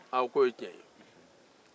u k'o ye tiɲɛ ye